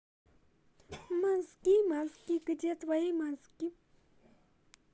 мозги мозги где твои мозги